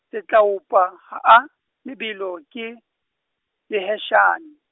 Setlaopa ha a, lebelo ke, leheshane.